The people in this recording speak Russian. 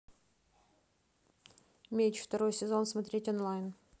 меч второй сезон смотреть онлайн